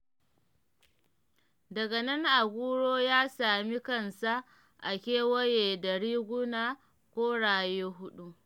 Daga nan Aguero ya sami kansa a kewaye da riguna koraye huɗu.